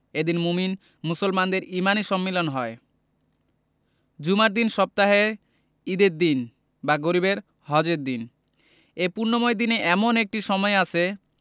এদিন মোমিন মুসলমানদের ইমানি সম্মিলন হয় জুমার দিন সপ্তাহের ঈদের দিন বা গরিবের হজের দিন এ পুণ্যময় দিনে এমন একটি সময় আছে